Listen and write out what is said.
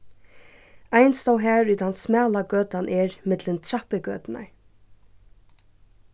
ein stóð har ið tann smala gøtan er millum trappugøturnar